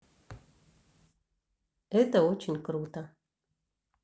это очень круто